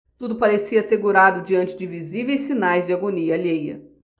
tudo parecia assegurado diante de visíveis sinais de agonia alheia